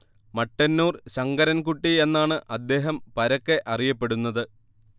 മട്ടന്നൂർ ശങ്കരൻ കുട്ടി എന്നാണ് അദ്ദേഹം പരക്കെ അറിയപ്പെടുന്നത്